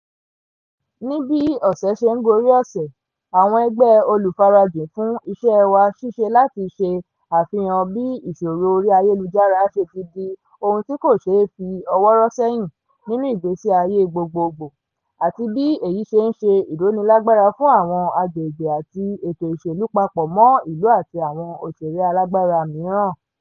Ní bí ọ̀sẹ̀ ṣe ń gorí ọ̀sẹ̀, àwọn ẹgbẹ́ olùfarajìn fún iṣẹ́ wa ṣiṣẹ́ láti ṣe àfihàn bí ìṣòro orí ayélujára ṣe ti di ohun tí kò ṣeé fi ọwọ́ rọ́ sẹ́yìn nínú ìgbésí ayé gbogbogbò àti bí èyí ṣe ń ṣe ìrónilágbara fún àwọn àgbègbè àti ètò òṣèlú papọ̀ mọ́ ìlú àti àwọn ọ̀ṣèré alágbára mìíràn.